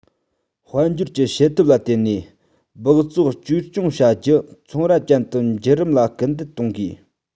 དཔལ འབྱོར གྱི བྱེད ཐབས ལ བརྟེན ནས སྦགས བཙོག བཅོས སྐྱོང བྱ རྒྱུ ཚོང ར ཅན དུ འགྱུར རིམ ལ སྐུལ འདེད གཏོང དགོས